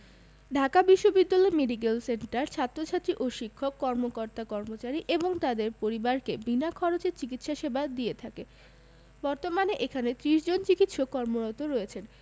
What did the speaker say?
ঢাকা বিশ্ববিদ্যালয় medical centre ছাত্রছাত্রী ও শিক্ষক কর্মকর্তাকর্মচারী এবং তাদের পরিবারকে বিনা খরচে চিকিৎসা সেবা দিয়ে থাকে বর্তমানে এখানে ৩০ জন চিকিৎসক কর্মরত রয়েছেন